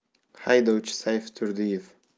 haydovchi sayfi turdiev